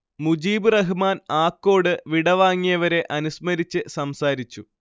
മുജീബ് റഹ്മാൻ ആക്കോട് വിടവാങ്ങിയവരെ അനുസ്മരിച്ച് സംസാരിച്ചു